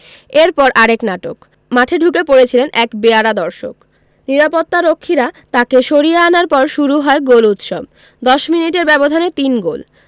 এরপর আরেক নাটক মাঠে ঢুকে পড়েছিলেন এক বেয়াড়া দর্শক নিরাপত্তারক্ষীরা তাকে সরিয়ে আনার পর শুরু হয় গোল উৎসব ১০ মিনিটের ব্যবধানে তিন গোল